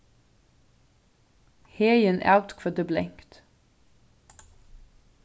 heðin atkvøddi blankt